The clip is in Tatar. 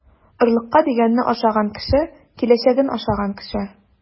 Орлыкка дигәнне ашаган кеше - киләчәген ашаган кеше.